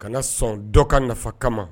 Ka na sɔn dɔ ka nafa kama